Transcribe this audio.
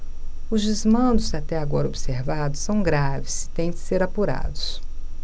os desmandos até agora observados são graves e têm de ser apurados